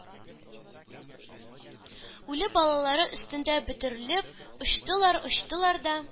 . үле балалары өстендә бөтерелеп очтылар-очтылар да,